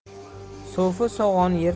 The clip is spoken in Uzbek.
so'fi so'g'on yer